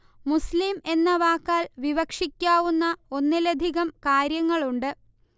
മുസ്ലിം എന്ന വാക്കാൽ വിവക്ഷിക്കാവുന്ന ഒന്നിലധികം കാര്യങ്ങളുണ്ട്